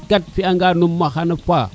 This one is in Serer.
ken kat im fiya ngan ma xana faax